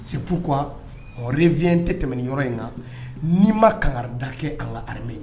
C'est pourquoi on revient n te tɛmɛn ni yɔrɔ in na n'in ma kangarida kɛ an ka armée ye